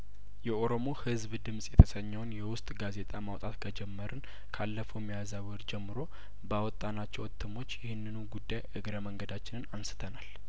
የኦሮሞ ህዝብ ድምጽ የተሰኘውን የውስጥ ጋዜጣ ማውጣት ከጀመርን ካለፈው ሚያዝያወር ጀምሮ ባወጣ ናቸው እትሞች ይህንኑ ጉዳይእግረ መንገዳችንን አንስተናል